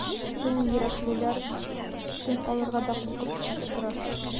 Туң йөрәклеләр тын алырга да куркып утыра.